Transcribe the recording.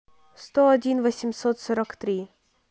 сто один восемьсот сорок три